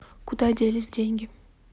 куда делись деньги